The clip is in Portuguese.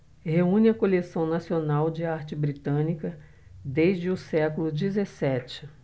reúne a coleção nacional de arte britânica desde o século dezessete